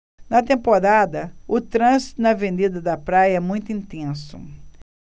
na temporada o trânsito na avenida da praia é muito intenso